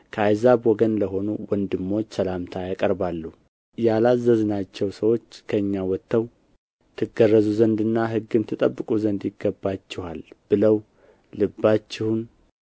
ከአሕዛብ ወገን ለሆኑ ወንድሞች ሰላምታ ያቀርባሉ ያላዘዝናቸው ሰዎች ከእኛ ወጥተው ትገረዙ ዘንድና ሕግን ትጠብቁ ዘንድ ይገባችኋል ብለው ልባችሁን